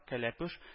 Кәләпүш